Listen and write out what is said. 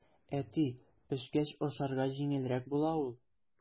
Әти, пешкәч ашарга җиңелрәк була ул.